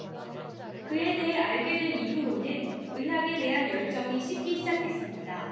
그에 대해 알게 된 이후로는 의학에 대한 열정이 식기 시작했습니다